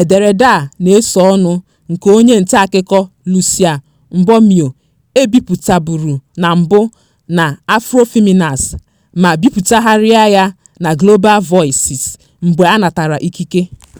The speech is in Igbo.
Ederede a na-esonu nke onye ntaakụkọ Lucía Mbomío ebipụtabụru na mbụ na Afroféminas ma bipụtagharị ya na Global Voices mgbe a natara ikike.